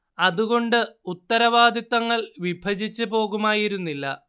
അതുകൊണ്ട് ഉത്തരവാദിത്തങ്ങൾ വിഭജിച്ച് പോകുമായിരുന്നില്ല